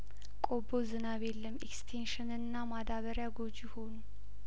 ቆቦ ዝናብ የለም ኤክስቴንሽንና ማዳበሪያም ጐጂ ሆኑ